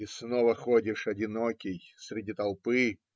И снова ходишь одинокий среди толпы.